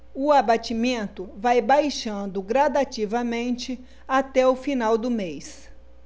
o abatimento vai baixando gradativamente até o final do mês